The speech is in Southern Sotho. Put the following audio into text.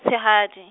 tshehadi.